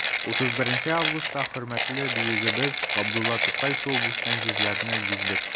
31 августта хөрмәтле бөегебез габдулла тукай туып үскән җирләрне гиздек.